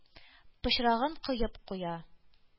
Пычрагын коеп куя.